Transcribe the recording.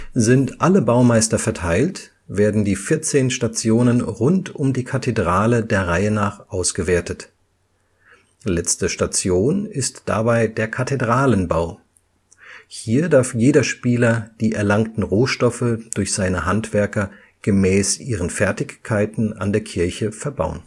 Sind alle Baumeister verteilt, werden die 14 Stationen rund um die Kathedrale der Reihe nach ausgewertet. Letzte Station ist dabei der Kathedralenbau. Hier darf jeder Spieler die erlangten Rohstoffe durch seine Handwerker gemäß ihren Fertigkeiten an der Kirche verbauen